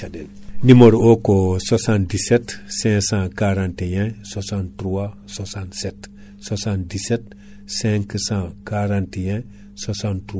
Aprostar kanko ko traitement de semence mo ganduɗa kanko ko systémique sa waɗimo e awdidi o natat e nder awdidi o renat awdidi o renat kaadi ko fuɗata ko